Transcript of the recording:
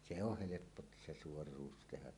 se on helppo - se suoruus tehdä